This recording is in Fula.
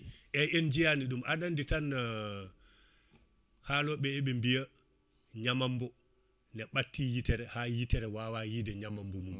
eyyi en jiiyani ɗum aɗa andi tan haaloɓeɓe eɓe biiya ñamambo ne ɓatti yitere ha yitere wawa yiide ñamambo mum